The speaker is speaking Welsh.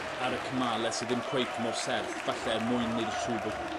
ar y cymale sy ddim cweit mor serth falle er mwyn neud y' siŵr bo'